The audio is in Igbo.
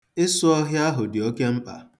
Ịsụ ọhịa ahụ dị oke mkpa.